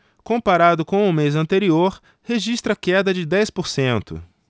comparado com o mês anterior registra queda de dez por cento